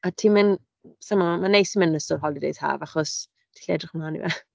A ti'n mynd... Sa i'n gwbod, ma' neis i fynd yn ystod holidays haf, achos ti'n gallu edrych ymlaen i fe .